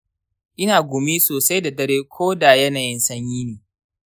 ina gumi sosai da dare ko da yanayin sanyi ne.